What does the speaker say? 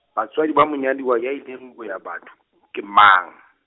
batswadi ba monyaduwa ya ileng boya batho, ke mang?